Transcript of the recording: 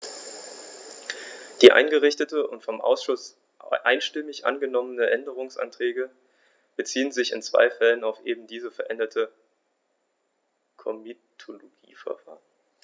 Die eingereichten und vom Ausschuss einstimmig angenommenen Änderungsanträge beziehen sich in zwei Fällen auf eben dieses veränderte Komitologieverfahren.